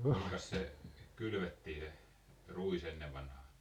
kuinkas se kylvettiin se ruis ennen vanhaan